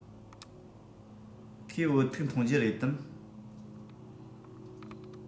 ཁོས བོད ཐུག འཐུང རྒྱུ རེད དམ